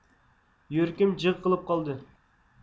يۈرىكىم جىف قىلىپ قالدى